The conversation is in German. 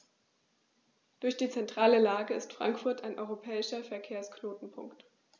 Durch die zentrale Lage ist Frankfurt ein europäischer Verkehrsknotenpunkt.